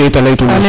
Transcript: ne keita leytuna